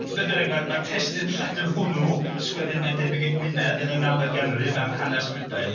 Be bynnag ma'r ma'r testun Lladin hwnnw sgwennwyd mae'n debyg yng Ngwynedd yn y nawfed ganrif am hanes Prydain.